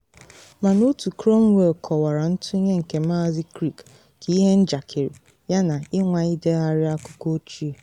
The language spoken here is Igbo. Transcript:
Mana Otu Cromwell kọwara ntụnye nke Maazị Crick ka ‘ihe njakịrị” yana “ịnwa ịdegharị akụkọ ochie.”